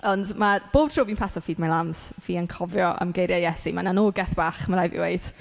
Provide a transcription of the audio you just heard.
Ond ma... bob tro fi'n paso Feed My Lambs, fi yn cofio am geiriau Iesu. Ma'n annogaeth bach, ma' raid fi weud.